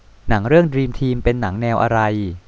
หนังเรื่องดรีมทีมเป็นหนังแนวอะไร